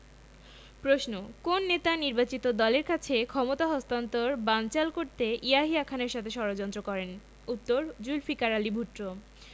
প্রশ্ন কোন নেতা নির্বাচিত দলের কাছে ক্ষমতা হস্তান্তর বানচাল করতে ইয়াহিয়া খানের সাথে ষড়যন্ত্র করেন উত্তরঃ জুলফিকার আলী ভুট্ট